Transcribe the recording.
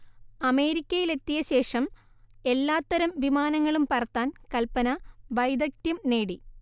അമേരിക്കയിലെത്തിയ ശേഷം എല്ലാത്തരം വിമാനങ്ങളും പറത്താൻ കൽപന വൈദഗ്‌ധ്യം നേടി